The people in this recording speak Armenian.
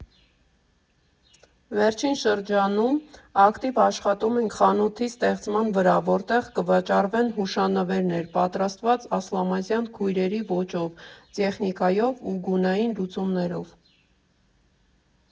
Վերջին շրջանում ակտիվ աշխատում ենք խանութի ստեղծման վրա, որտեղ կվաճառվեն հուշանվերներ՝ պատրաստված Ասլամազյան քույրերի ոճով, տեխնիկայով և գունային լուծումներով։